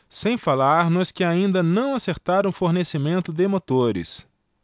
sem falar nos que ainda não acertaram o fornecimento de motores